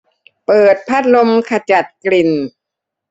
เปิดพัดลมขจัดกลิ่น